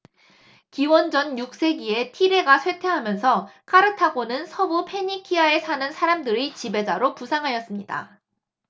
기원전 육 세기에 티레가 쇠퇴하면서 카르타고는 서부 페니키아에 사는 사람들의 지배자로 부상하였습니다